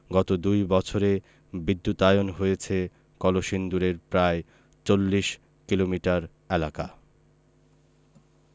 গত দুই বছরে বিদ্যুতায়ন হয়েছে কলসিন্দুরের প্রায় ৪০ কিলোমিটার এলাকা